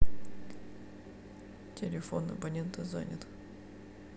телефон абонента занят